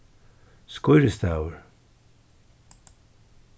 skírisdagur